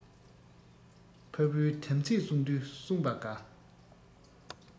ཕ བུའི དམ ཚིག བསྲུང དུས བསྲུངས པ དགའ